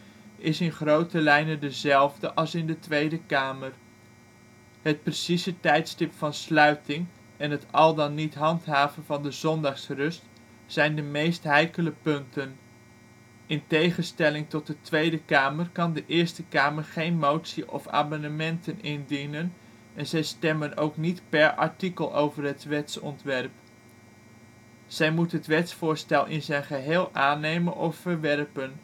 is in grote lijnen dezelfde als in de Tweede Kamer. Het precieze tijdstip van sluiting en het al dan niet handhaven van de zondagsrust zijn de meest heikele punten. In tegenstelling tot de Tweede Kamer kan de Eerste Kamer geen moties of amendementen indienen en zij stemmen ook niet per artikel over het wetsontwerp. Zij moet het wetsvoorstel in zijn geheel aannemen of verwerpen